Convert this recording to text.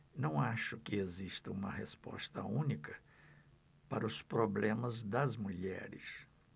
não acho que exista uma resposta única para os problemas das mulheres